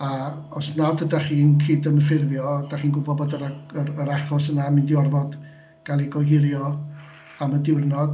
A os nad ydych chi'n cydymffurfio, dach chi'n gwbod bod yr a- yr achos yna'n mynd i orfod cael ei gohirio am y diwrnod